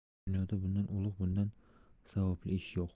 dunyoda bundan ulug' bundan savobli ish yo'q